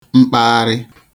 mkpagharị